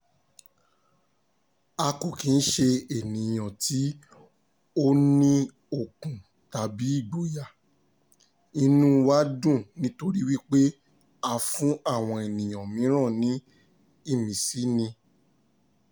A kò kí ń ṣe ẹni tí ó ní okun tàbí ìgboyà... inúu wa dùn nítorí wípé a fún àwọn ènìyàn mìíràn ní ìmísí ni.